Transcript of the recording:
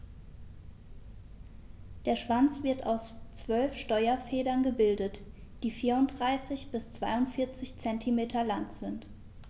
Der Schwanz wird aus 12 Steuerfedern gebildet, die 34 bis 42 cm lang sind.